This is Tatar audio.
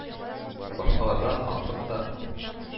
Башкалардан артык та,